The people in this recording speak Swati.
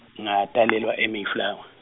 ngatalelwa e- Mayflower.